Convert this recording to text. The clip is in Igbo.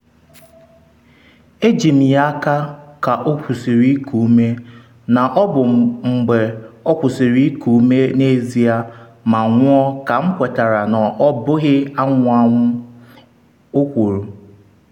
“Eji m ya aka ka ọ kwụsịrị iku ume na ọ bụ mgbe ọ kwụsịrị iku ume n’ezie ma nwụọ ka M kwetara na ọ bụghị anwụ anwụ,” o kwuru.